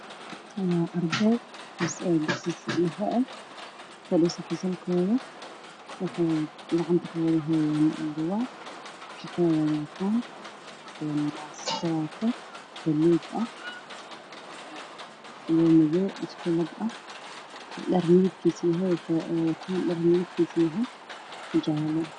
Waa albaab midabkiisa uu yahay cadaan